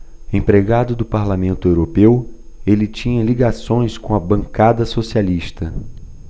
empregado do parlamento europeu ele tinha ligações com a bancada socialista